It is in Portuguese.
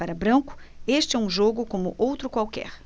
para branco este é um jogo como outro qualquer